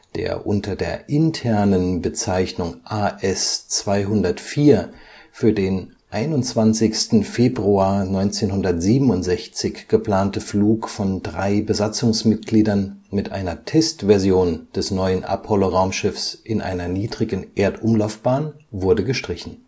Der unter der internen Bezeichnung AS-204 für den 21. Februar 1967 geplante Flug von drei Besatzungsmitgliedern mit einer Testversion des neuen Apollo-Raumschiffs in einer niedrigen Erdumlaufbahn wurde gestrichen